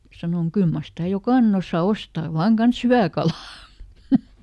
sanoin kyllä mar sitä jokainen osaa ostaa vain kanssa hyvää kalaa